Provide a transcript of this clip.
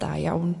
da iawn